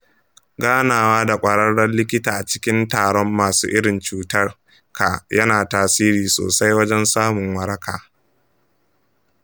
ganawa da ƙwararren likita a cikin taron masu irin cutar ka yana tasiri sosai wajen samun waraka.